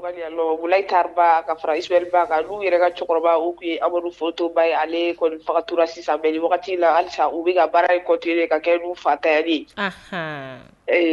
Ta ka fara'u yɛrɛ ka cɛkɔrɔba u amadu fɔtoba ye ale fagatura sisan wagati la alisa u bɛka ka baara ye kɔte ka kɛ fa ta